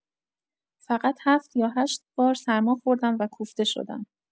فقط هفت یا هشت بار سرما خوردم و کوفته شدم.